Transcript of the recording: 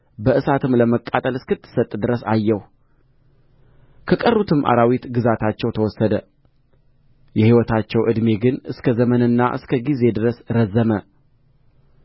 በእሳትም ለመቃጠል እስክትሰጥ ድረስ አየሁ ከቀሩትም አራዊት ግዛታቸው ተወሰደ የሕይወታቸው ዕድሜ ግን እስከ ዘመንና እስከ ጊዜ ድረስ ረዘመ